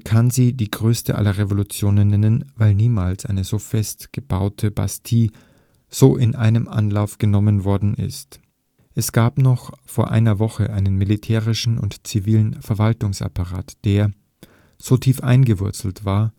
kann sie die größte aller Revolutionen nennen, weil niemals eine so fest gebaute (…) Bastille so in einem Anlauf genommen worden ist. Es gab noch vor einer Woche einen militärischen und zivilen Verwaltungsapparat, der (…) so tief eingewurzelt war,